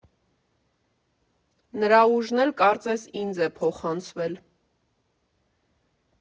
Նրա ուժն էլ կարծես ինձ է փոխանցվել։